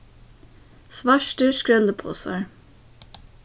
svartir skrelliposar